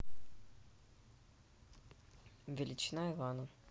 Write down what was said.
величина ивана